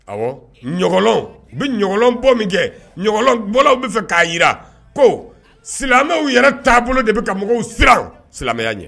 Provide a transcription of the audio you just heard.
Ɔwɔ bɛ ɲɔgɔn bɔ min kɛ bɔ bɛ fɛ k'a jira ko silamɛw yɛrɛ taabolo bolo de bɛ ka mɔgɔw sira silamɛya ɲɛ